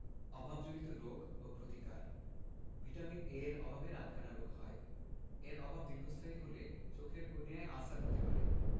অভাবজনিত রোগ ও প্রতিকার ভিটামিন এ এর অভাবে রাতকানা রোগ হয় এর অভাব দীর্ঘস্থায়ী হলে চোখের কর্নিয়ায় আলসার হতে পারে